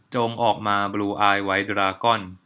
จงออกมาบลูอายไวท์ดราก้อน